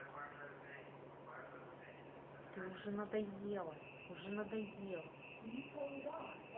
ты уже надоела уже надоел